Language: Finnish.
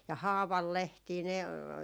ja haavanlehtiä ne